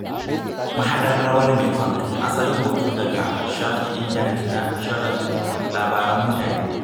Mahaɗar ruwan Mekong. Asalin hoto daga shafin intanet na "shirin Labaran mutane".